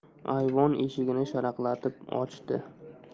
ayvon eshigini sharaqlatib ochdi